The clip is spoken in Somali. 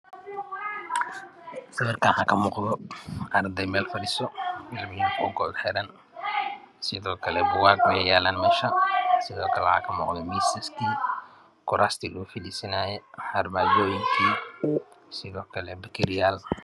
Sawirkan waxaa kamuuqdo arday meel fadhiso qanad ku agxiran sidookale sidookale bugaag weyaalaan meesha sidookake waxaa meesha kamuuqdo miisas kuraastii lagu fadhiisanayay sidokale waxaa mesha yaalo bakeriyaal